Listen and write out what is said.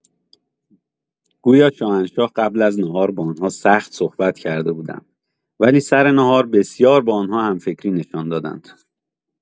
گویا شاهنشاه قبل از نهار با آنها سخت صحبت کرده بودند ولی سر نهار بسیار با آنها هم‌فکری نشان دادند.